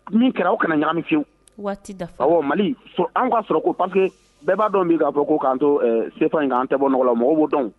Min kɛra kana ɲamiyewu waati dafa o mali an ka'a sɔrɔ ko papi bɛɛ b'a dɔn b'i'a fɔ k' kan to sen in ka an tɛ bɔ nɔgɔɔgɔ la mɔgɔ' dɔn